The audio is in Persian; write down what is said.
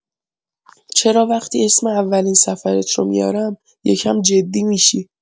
چرا وقتی اسم اولین سفرت رو میارم، یه کم جدی می‌شی؟